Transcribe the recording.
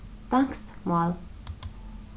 danskt mál